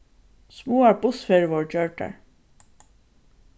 smáar bussferðir vórðu gjørdar